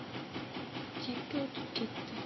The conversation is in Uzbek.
chakka o'tib ketdi